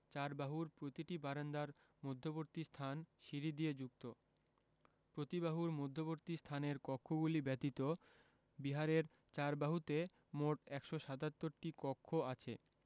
চারবাহুর প্রতিটি বারান্দার মধ্যবর্তীস্থান সিঁড়ি দিয়ে যুক্ত প্রতিবাহুর মধ্যবর্তী স্থানের কক্ষগুলি ব্যতীত বিহারের ৪ বাহুতে মোট ১৭৭টি কক্ষ আছে